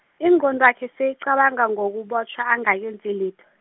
ingqondwakhe seyicabanga ngokubotjhwa angakenzi litho.